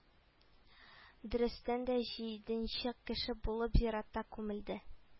Дөрестән дә җиденче кеше булып зиратта күмелде